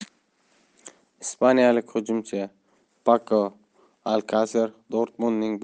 ispaniyalik hujumchi pako alkaser dortmundning